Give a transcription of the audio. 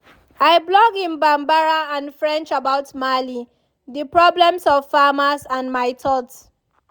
I blog in Bambara and French about Mali, the problems of farmers, and my thoughts.